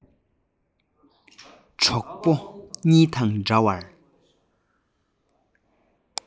གྲོགས པོ གཉིས དང འདྲ བར